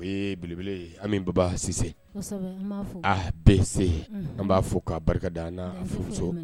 O ye belebele ye an bɛ babasi aa bɛɛse an b'a fɔ k'a barika d an muso